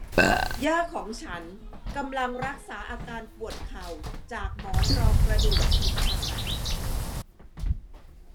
ย่าของฉันกำลังรักษาอาการปวดเข่าจากหมอนรองกระดูกฉีดขาด